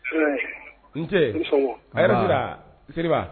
E i ni ce, i ni sɔgɔma, hɛrɛ sira, Seriba